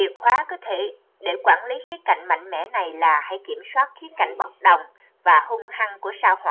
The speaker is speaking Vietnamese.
chìa khóa để quản lý khía cạnh mạnh mẽ này là hãy kiểm soát khía cạnh bốc đồng và hung hăng của sao hỏa